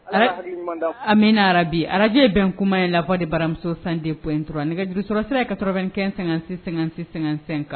Amina ara bi araje ye bɛn kuma ye la fɔ de baramuso san de p in dɔrɔn nɛgɛjurusɔrɔsira ka tkɛ sɛgɛn-sɛ-sɛsɛn kan